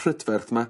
prydferth 'ma